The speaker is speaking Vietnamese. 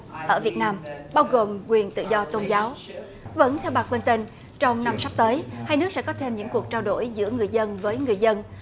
ở việt nam bao gồm quyền tự do tôn giáo vẫn theo bà quân tân trong năm sắp tới hai nước sẽ có thêm những cuộc trao đổi giữa người dân với người dân